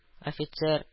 Офицер